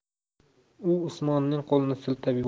u usmonning qo'lini siltab yubordi